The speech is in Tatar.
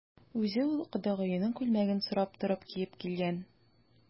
Үзе ул кодагыеның күлмәген сорап торып киеп килгән.